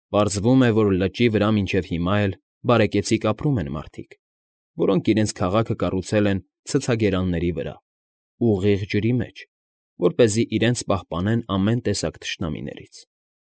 Պարզվում է, որ լճի վրա մինչև հիմա էլ բարեկեցիկ ապրում են մարդիկ, որոնք իրենց քաղաքը կառուցել են ցցագերանների վրա, ուղիղ ջրի մեջ, որպեսզի իրենց պահպանեն ամեն տեսակ թշնամիներից։